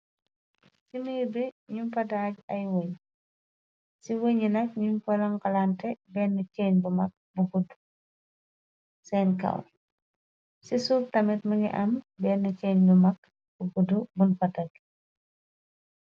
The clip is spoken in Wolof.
Chi mirr bii njung faa dajj aiiy weungh, cii weungh yii nak njung fa lonkah lanteh benue chaine bu mak bu gudu sen kaw, cii suff tamit mungy am benah chained bu mak bu gudu bungh fa tek.